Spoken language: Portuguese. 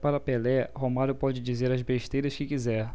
para pelé romário pode dizer as besteiras que quiser